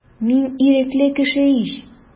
Мин ирекле кеше ич.